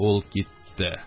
Ул китте.